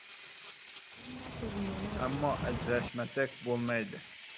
ammo ajrashmasak bo'lmaydi